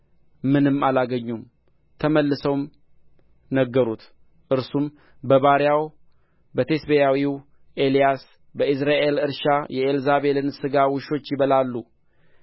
ምንም አላገኙም ተመልሰውም ነገሩት እርሱም በባሪያው በቴስብያዊ ኤልያስ በኢይዝራኤል እርሻ የኤልዛቤልን ሥጋ ውሾች ይበላሉ